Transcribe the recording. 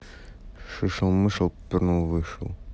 шишел мышел пернул вышел